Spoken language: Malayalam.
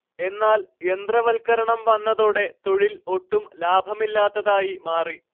എന്നാൽ യന്ത്രവൽക്കരണം വന്നതോടെ തൊഴിൽ ഒട്ടും ലാഭമില്ലാത്തതായി മാറി